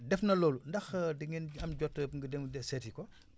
def na loolu ndax da ngeen am jot ngir dem seeti ko